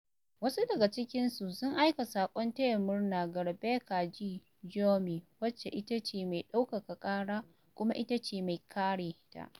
Wasu daga cikinsu sun aika saƙon taya murna ga Rebeca ɗ. Gyumi, wacce ita ce mai ɗaukaka ƙara kuma ita ce mai kare ta.